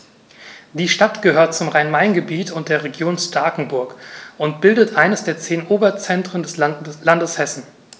Die Stadt gehört zum Rhein-Main-Gebiet und der Region Starkenburg und bildet eines der zehn Oberzentren des Landes Hessen.